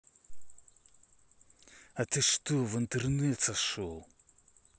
а ты что в интернет сошел